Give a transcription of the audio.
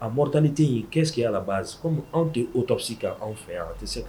A mori tan ni tɛ yen kɛsseke alabaa kɔmi anw tɛ o ta bɛ se ka anw fɛ yan tɛ se